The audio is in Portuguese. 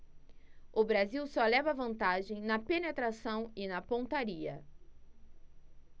o brasil só leva vantagem na penetração e na pontaria